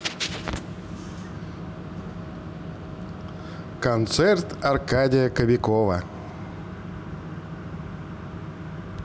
концерт аркадия кобякова